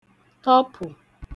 tọpụ̀